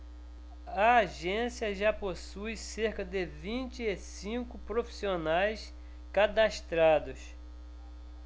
a agência já possui cerca de vinte e cinco profissionais cadastrados